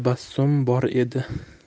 tabassum bor edi